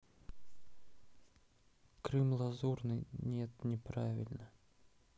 крым лазурный нет не правильно